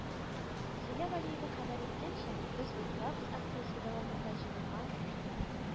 Зилә Вәлиева хәбәр иткәнчә, “Без булдырабыз” акциясе дәвамында җыелган